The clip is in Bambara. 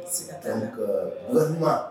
S tan ka ga